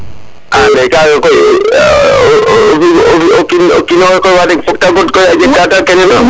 ndik kaga koy o kin o kinoxe koy wax deg fok te god koy a jeg kate kene na